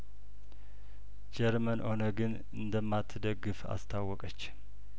ጀርመን ኦነግን እንደማትደግፍ አስታወቀች